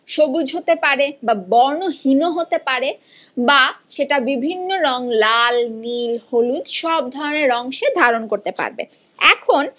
সবুজ হতে পারে বা বর্ণহীন ও হতে পারে বা সেটা বিভিন্ন রং লাল নিল হলুদ সব ধরনের রং সে ধারণ করতে পারবে এখন